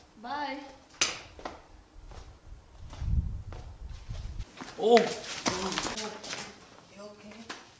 by O